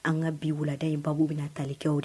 An ka bi wulada in babu bɛna talikɛ o de